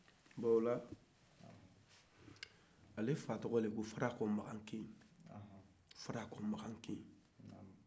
bon ola ale fa tɔgɔ de ye ko farakɔ makan keyi farakɔmakankeyi